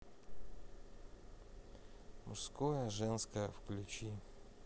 мужское женское включи